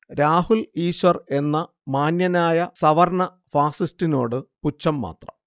രാഹുൽ ഈശ്വർ എന്ന മാന്യനായ സവർണ്ണ ഫാസിസ്റ്റിനോട് പുച്ഛം മാത്രം